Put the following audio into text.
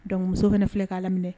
Dɔnc muso fɛnɛ filɛ ka Ala minɛ